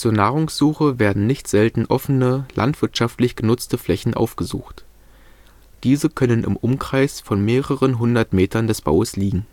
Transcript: Nahrungssuche werden nicht selten offene, landwirtschaftlich genutzte Flächen aufgesucht. Diese können im Umkreis von mehreren hundert Metern des Baues liegen